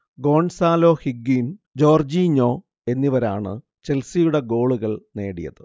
Gonzalo Higuain, Jorginho എന്നിവരാണ് ചെൽസിയുടെ ഗോളുകൾ നേടിയത്